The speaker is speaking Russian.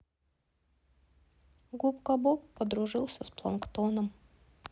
губка боб подружился с планктоном